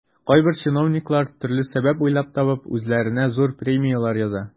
Кайбер чиновниклар, төрле сәбәп уйлап табып, үзләренә зур премияләр яза.